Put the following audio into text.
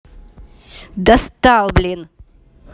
достал блин